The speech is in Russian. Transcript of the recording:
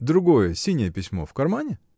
— Другое, синее письмо: в кармане?